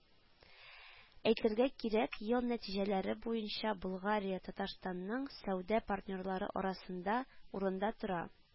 Әйтергә кирәк, ел нәтиҗәләре буенча Болгария Татарстанның сәүдә партнерлары арасында урында тора